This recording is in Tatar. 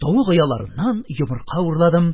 Тавык ояларыннан йомырка урладым.